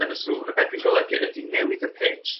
yn y sŵn a be dwi'n golygu ydi newid y pitch